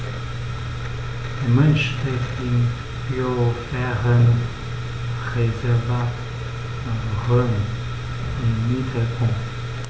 Der Mensch steht im Biosphärenreservat Rhön im Mittelpunkt.